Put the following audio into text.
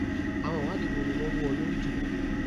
Àwọn ìwádìí wo ni wọ́n wú ọ lórí jùlọ?